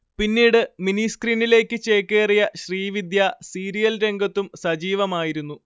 പിന്നീട് മിനി സ്ക്രീനിലേക്ക് ചേക്കേറിയ ശ്രീവിദ്യ സീരിയൽ രംഗത്തും സജീവമായിരുന്നു